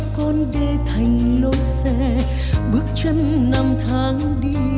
con đê thành lối xe bước chân năm về